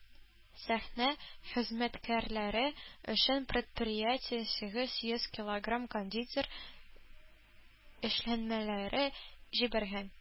Сәхнә хезмәткәрләре өчен предприятие сигез йөз килограмм кондитер эшләнмәләре җибәргән.